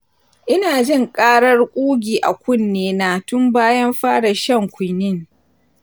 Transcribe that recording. ina jin karar kugi a kunne na tun bayan fara shan quinine.